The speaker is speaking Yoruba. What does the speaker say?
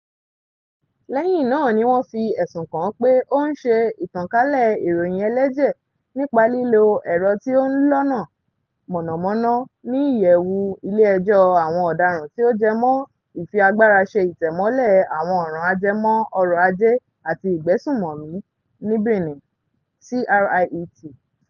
Lẹ́yìn náà ni wọ́n fi ẹ̀sùn kàn án pé "ó ń ṣe ìtànkálẹ̀ ìròyìn ẹlẹ́jẹ̀ nípa lílo ẹ̀rọ tí ó ń lọ́nà mànàmáná" ní Ìyẹ̀wù Ilé Ẹjọ́ Àwọn Ọ̀daràn tí ó jẹmọ́ Ìfiagbáraṣeìtẹ̀mọ́lẹ̀ Àwọn Ọ̀ràn Ajẹmọ́ Ọrọ̀ Ajé àti Ìgbésùnmọ̀mí ní Benin (CRIET).